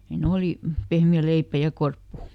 siinä oli pehmeä leipä ja korppu